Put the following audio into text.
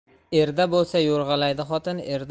erda bo'lsa yo'rg'alaydi xotin